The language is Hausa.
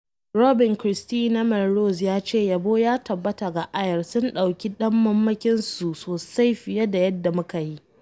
Robyn Christie na Melrose ya ce: “Yabo ya tabbata ga Ayr, sun ɗauki damammakinsu sosai fiye da yadda muka yi.”